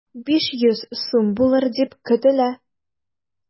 500 сум булыр дип көтелә.